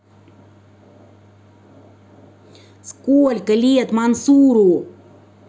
сколько лет мансуру